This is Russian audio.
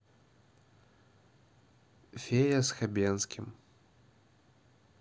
фея с хабенским